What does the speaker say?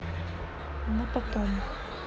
на потом